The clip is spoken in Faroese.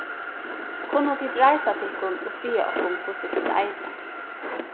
kunnu tit reisa tykkum og siga okkum hvussu tit eita